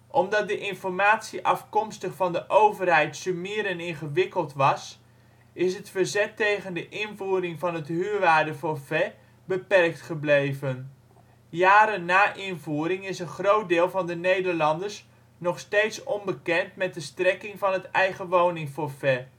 Omdat de informatie afkomstig van de overheid summier en ingewikkeld was, is het verzet tegen de invoering van het huurwaardeforfait beperkt gebleven. Jaren na invoering is een groot deel van de Nederlanders nog steeds onbekend met de strekking van het eigenwoningforfait